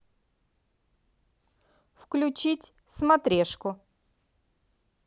включить смотрешку